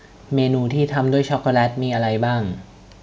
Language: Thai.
เมนูที่ทำด้วยช็อกโกแลตมีอะไรบ้าง